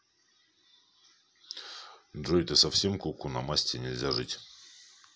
джой ты совсем куку намасте нельзя жить